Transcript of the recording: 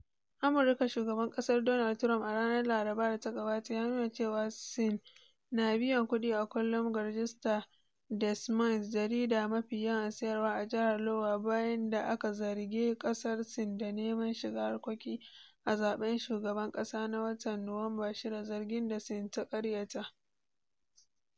Amurka Shugaban kasar Donald Trump a ranar Laraba da ta gabata ya nuna cewa Sin na biyan kudi a kullum ga ragista Des Moines - Jarida mafi yawan sayarwa a Jihar Iowa - bayan da aka zarge kasar Sin da neman shiga harkokin a zaben shugaban kasa na watan Nuwamba 6, zargin da Sin ta karyata.